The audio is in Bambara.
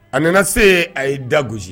A nana se a ye da gosisi